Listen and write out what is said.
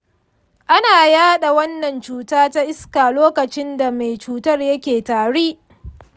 ana yaɗa wannan cuta ta iska lokacin da mai cutar yake tari.